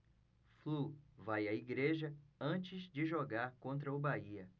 flu vai à igreja antes de jogar contra o bahia